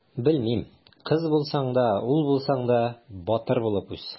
Белмим: кыз булсаң да, ул булсаң да, батыр булып үс!